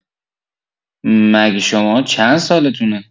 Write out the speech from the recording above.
مگه شماها چند سالتونه؟